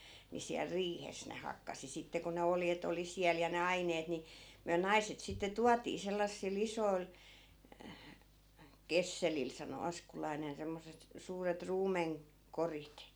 niin siellä riihessä ne hakkasi sitten kun ne oljet oli siellä ja ne aineet niin me naiset sitten tuotiin sellaisilla isoilla kesselillä sanoi askulainen semmoiset suuret - ruumenkorit